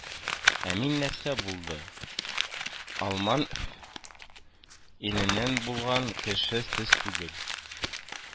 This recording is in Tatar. - ә менә нәрсә булды: алман иленнән булган кеше сез түгел